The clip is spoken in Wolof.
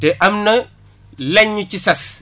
te am na lañ ñu ci sas